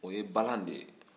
o ye bala de ye